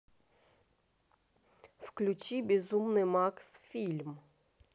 включи безумный макс фильм